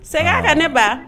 Segin a kan ne ba